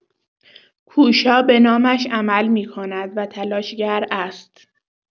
کوشا به نامش عمل می‌کند و تلاشگر است.